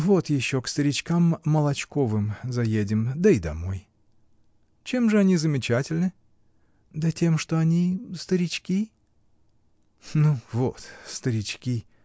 — Вот еще к старичкам Молочковым заедем, да и домой. — Чем же они замечательны? — Да тем, что они. старички. — Ну, вот, старички!